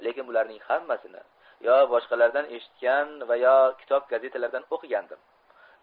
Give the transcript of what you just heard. lekin bularning hammasini yo boshqalardan eshitgan va yo kitob gazetalardan o'qigandim